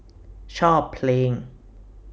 ชอบเพลง